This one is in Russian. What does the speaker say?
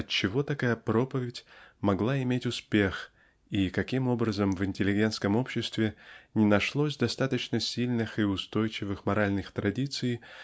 отчего такая проповедь могла иметь успех и каким образом в интеллигентском обществе не нашлось достаточно сильных и устойчивых моральных традиций